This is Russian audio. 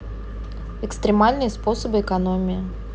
экстремальные способы экономии